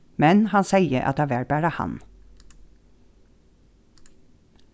men hann segði at tað var bara hann